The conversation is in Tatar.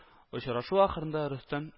Очрашу ахырында Рөстәм